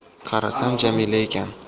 qarasam jamila ekan